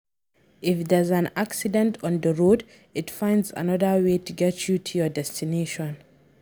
If there’s an accident on the road it finds another way to get you to your destination.